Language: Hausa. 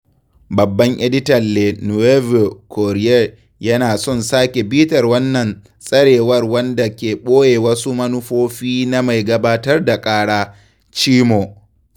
Babban editan “Le Nouveau Courrier” yana son sake bitar wannan tsarewar wanda ke ɓoye wasu manufofi na mai gabatar da ƙara, Tchimou.